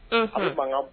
Nkun ban